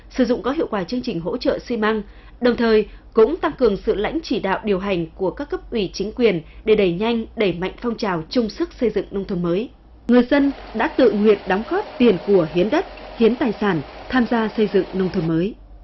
sử dụng có hiệu quả chương trình hỗ trợ xi măng đồng thời cũng tăng cường sự lãnh chỉ đạo điều hành của các cấp ủy chính quyền để đẩy nhanh đẩy mạnh phong trào chung sức xây dựng nông thôn mới người dân đã tự nguyện đóng góp tiền của hiến đất hiến tài sản tham gia xây dựng nông thôn mới